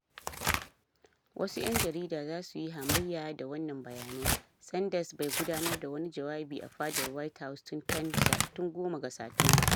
Wasu 'yan jarida za su yi hamayya da wannan bayani: Sanders bai gudanar da wani jawabi a Fadar White House tun 10 Satumba.